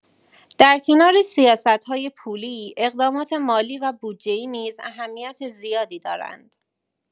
در کنار سیاست‌های پولی، اقدامات مالی و بودجه‌ای نیز اهمیت زیادی دارند.